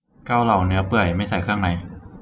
เกาเหลาเนื้อเปื่อยไม่ใส่เครื่องใน